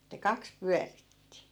että kaksi pyöritti